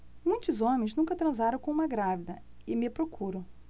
muitos homens nunca transaram com uma grávida e me procuram